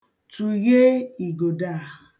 Tụghee igodo a.